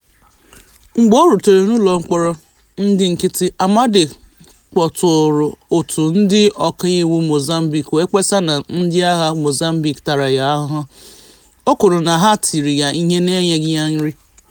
Mgbe ọ rutere n'ụlọ mkpọrọ ndị nkịtị, Amade kpọtụụrụ Òtù Ndị Ọkaiwu Mozambique wee kpesa na ndịagha Mozambique tara ya ahụhụ, o kwuru na ha tiri ya ihe na enyeghị ya nri.